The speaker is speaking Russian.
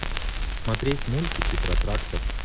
смотреть мультики про трактор